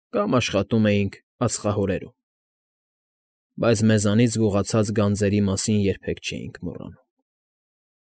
Կամ աշխատում էինք ածխահորերում։ Բայց մեզանից գողացած գանձերի մասին երբեք չէինք մոռանում։